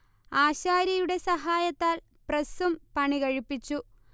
ആശാരിയുടെ സഹായത്താൽ പ്രസ്സും പണികഴിപ്പിച്ചു